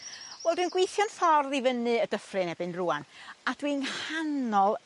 Wel dwi'n gweithio 'yn ffordd i fyny y Dyffryn erbyn rŵan a dwi 'ng nghanol